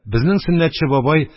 Безнең Сөннәтче бабай,